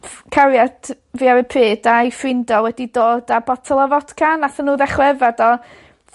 ff- cariad fi ar y pryd a'u ffrindio wedi dod â botel o fodca nathon n'w ddechra yfed o